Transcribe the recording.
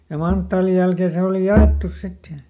ja manttaalin jälkeen se oli jaettu sitten ja